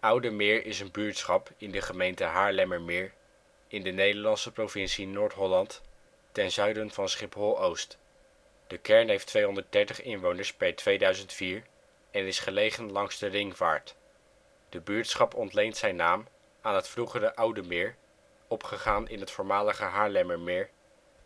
Oude Meer is een buurtschap in de gemeente Haarlemmermeer, in de Nederlandse provincie Noord-Holland, ten zuiden van Schiphol-Oost. De kern heeft 230 inwoners (2004) en is gelegen langs de Ringvaart. De buurtschap ontleent zijn naam aan het vroegere Oude Meer (opgegaan in het voormalige Haarlemmermeer),